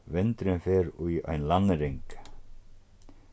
vindurin fer í ein landnyrðing